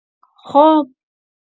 خب.